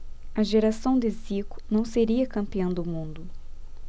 a geração de zico não seria campeã do mundo